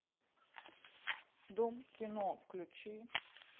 дом кино включи